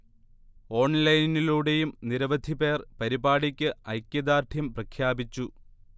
ഓൺലൈനിലൂടെയും നിരവധി പേർ പരിപാടിക്ക് ഐക്യദാർഢ്യം പ്രഖ്യാപിച്ചു